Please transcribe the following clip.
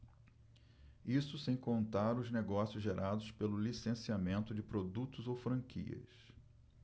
isso sem contar os negócios gerados pelo licenciamento de produtos ou franquias